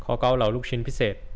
ขอเกาเหลาลูกชิ้นพิเศษ